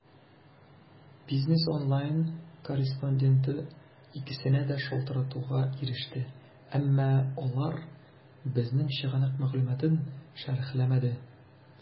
"бизнес online" корреспонденты икесенә дә шалтыратуга иреште, әмма алар безнең чыганак мәгълүматын шәрехләмәде.